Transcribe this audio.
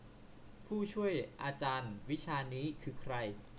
ผู้ช่วยอาจารย์วิชานี้คือใคร